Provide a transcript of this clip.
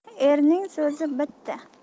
erning so'zi bitta